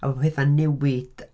A mae pethau'n newid.